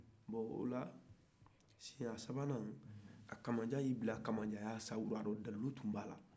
bɔn o la siyɛ sabanan kamajan y'i bila kamajanya sawura la dalilu tun b'a la